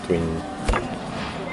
dwi'n